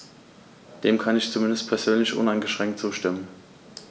Dem kann ich zumindest persönlich uneingeschränkt zustimmen.